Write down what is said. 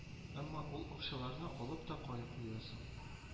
Әмма ул акчаларны алып та кая куясың